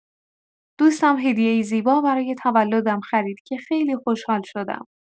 دوستم هدیه‌ای زیبا برای تولدم خرید که خیلی خوشحال شدم.